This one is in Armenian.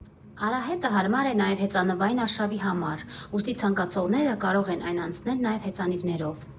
Արահետը հարմար է նաև հեծանվային արշավի համար, ուստի ցանկացողները կարող են այն անցնել նաև հեծանիվներով։